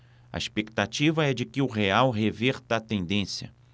a expectativa é de que o real reverta a tendência